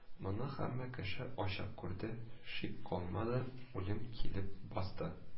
Моны һәммә кеше ачык күрде, шик калмады, үлем килеп басты